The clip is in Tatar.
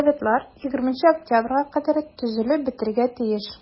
Советлар 20 октябрьгә кадәр төзелеп бетәргә тиеш.